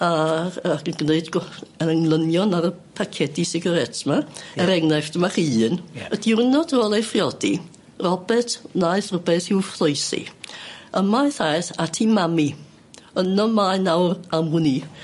A yy ac yn gneud go- yr englynion ar y pacedi sigarets 'ma. Er enghraifft, dyma chi un. Ie. Y diwrnod ar ôl ei phriodi, Robert wnaeth rwbeth i'w phloesi. Ymaith aeth at ei mam 'i yno mae nawr am wn i.